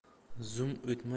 zum o'tmay yana